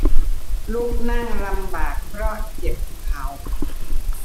ลุกนั่งลำบากเพราะเจ็บเข่า